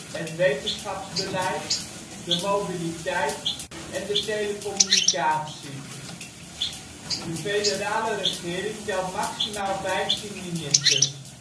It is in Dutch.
het wetenschapsbeleid, de mobiliteit, de telecommunicatie. De federale regering telt maximaal 15 ministers. Samen